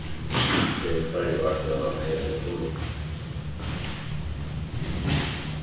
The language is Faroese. tað eru fleiri ár síðan hann hevði eina kunning